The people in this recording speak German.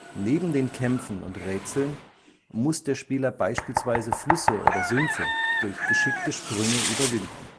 Neben den Kämpfen und Rätsel muss der Spieler beispielsweise Flüsse oder Sümpfe durch geschickte Sprünge überwinden